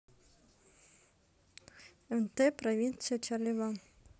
мт провинция чарли ван